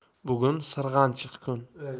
bugun sirg'anchiq kun